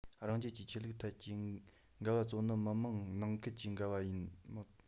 རང རྒྱལ གྱི ཆོས ལུགས ཐད ཀྱི འགལ བ གཙོ བོ ནི མི དམངས ནང ཁུལ གྱི འགལ བ ཡིན མོད